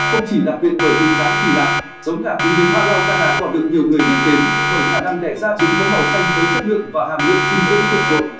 không chỉ đặc biệt bởi hình dáng kỳ lạ giống gà quý hiếm araucana còn được nhiều người biết đến bởi khả năng đẻ ra trứng có màu xanh với chất lượng và hàm lượng dinh dưỡng vượt trội